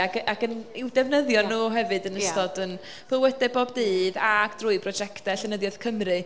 ac yn ac yn i'w defnyddio nhw... ia. ...hefyd yn ystod... ia. ...ein bywydau bob dydd ac drwy brosiectau Llenyddiaeth Cymru.